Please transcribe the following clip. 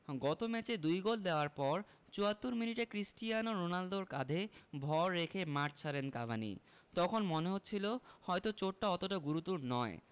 গত ম্যাচে দুই গোল দেওয়ার পর ৭৪ মিনিটে ক্রিস্টিয়ানো রোনালদোর কাঁধে ভর রেখে মাঠ ছাড়েন কাভানি তখন মনে হচ্ছিল হয়তো চোটটা অতটা গুরুতর নয়